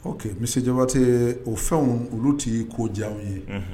Ɔ misijawatɛ o fɛnw olu tɛ ye ko diya anw ye